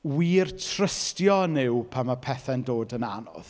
wir trystio yn Nuw pan ma' pethe'n dod yn anodd.